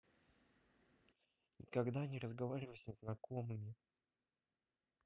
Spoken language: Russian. никогда не разговаривай с незнакомыми